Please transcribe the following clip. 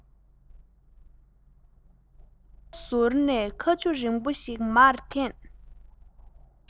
ཁའི ཟུར ནས ཁ ཆུ རིང པོ ཞིག མར འཐེན